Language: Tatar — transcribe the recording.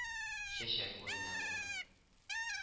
Чәчәк үренә булыр